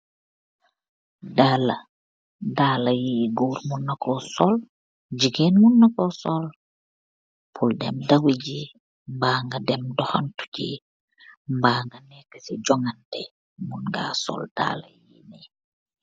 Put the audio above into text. Daalah, daalah yii gorr mun nakor sol, gigain mun nakor sol, pur dem daw gii mba nga dem dokhantu gii, mba nga nekeu ci joh nganteh mun nga sol daalah yii nii.